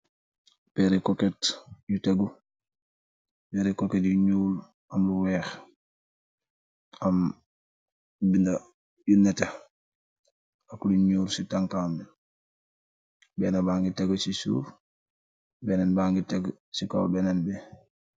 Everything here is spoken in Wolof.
Pééri kóket yu tégu, pééri kóket yu ñuul am lu wèèx am binda yu neteh ak yu ñuul ci tanka'am bi benna baiyi teko sii soou benna baiyi teko sii kawan